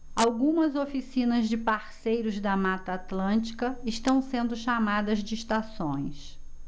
algumas oficinas de parceiros da mata atlântica estão sendo chamadas de estações